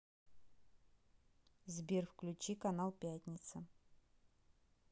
сбер включи канал пятница